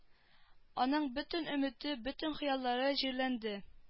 Аның бөтен өмете бөтен хыяллары җирләнде